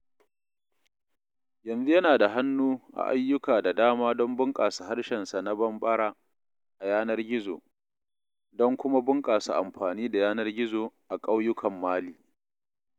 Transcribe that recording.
Yanzu yana da hannu a ayyuka da dama don bunƙasa harshensa na Bambara a yanar gizo, don kuma bunƙasa amfani da yanar gizo a ƙauyukan Mali.